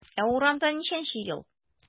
Ә урамда ничәнче ел?